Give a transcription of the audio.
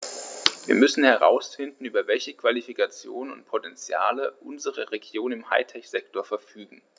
Wir müssen herausfinden, über welche Qualifikationen und Potentiale unsere Regionen im High-Tech-Sektor verfügen.